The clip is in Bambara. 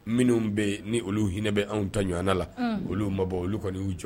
Minnu bɛ ni olu hinɛ bɛ anw ta ɲɔgɔn la olu mabɔbɔ olu kɔni y'u jɔ